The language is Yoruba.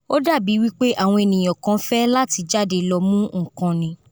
Ó dàbí wípé àwọn ènìyàn kàn fẹ́ láti jáde lọ mu nkan ni.